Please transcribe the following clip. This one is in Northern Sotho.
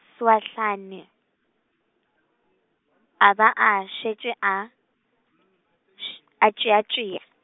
Swahlane, a ba a šetše a š-, a tšeatšea.